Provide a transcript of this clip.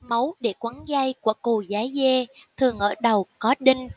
mấu để quấn dây của cù dái dê thường ở đầu có đinh